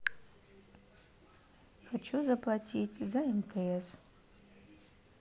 хочу заплатить за мтс